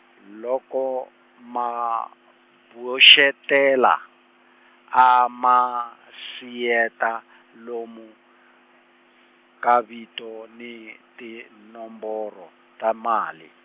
loko ma boxetela, a ma siyeta lomu, ka vito ni tinomboro, ta mali.